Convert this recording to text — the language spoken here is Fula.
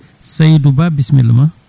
Saysou Ba bisimilla ma